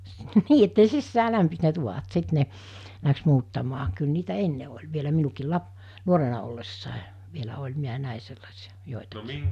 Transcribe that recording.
niin että ne sisään lämpisi ne tuvat sitten ne lähti muuttamaan kyllä niitä ennen oli vielä minunkin - nuorena ollessa vielä oli minä näin sellaisia joitakin